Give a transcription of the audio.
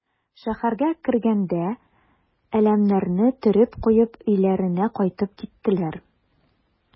Шәһәргә кергәндә әләмнәрне төреп куеп өйләренә кайтып киттеләр.